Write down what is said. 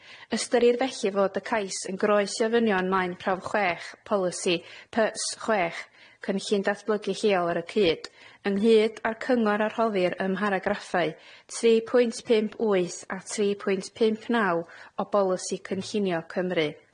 Ystyrir felly fod y cais yn groes i ofynion maen prawf chwech, polisi Py S chwech, cynllun datblygu lleol ar y cyd, ynghyd â'r cyngor a rhoddir ym mharagraffau tri pwynt pump wyth a tri pwynt pump naw o Bolisi Cynllunio Cymru.